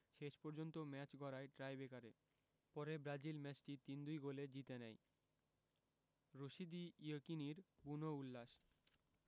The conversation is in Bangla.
শেষ পর্যন্ত ম্যাচ গড়ায় টাইব্রেকারে পরে ব্রাজিল ম্যাচটি ৩ ২ গোলে জিতে নেয় রশিদী ইয়েকিনীর বুনো উল্লাস